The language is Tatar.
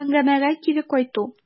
Әңгәмәгә кире кайту.